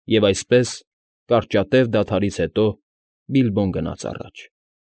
Եվ այսպես, կարճատև դադարից հետո Բիլբոն գնաց առաջ։